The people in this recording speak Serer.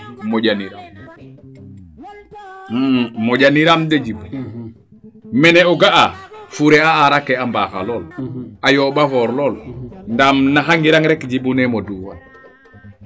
moƴaniran moƴaniraam de Djiby mene o ga'a fure a arake a mbaaxa lool a yomba foor lool nda naxa ngirang rek Djiby neemo duufa